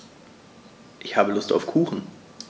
Ich habe Lust auf Kuchen.